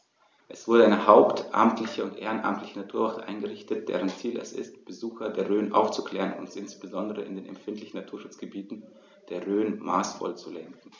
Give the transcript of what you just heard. Es wurde eine hauptamtliche und ehrenamtliche Naturwacht eingerichtet, deren Ziel es ist, Besucher der Rhön aufzuklären und insbesondere in den empfindlichen Naturschutzgebieten der Rhön maßvoll zu lenken.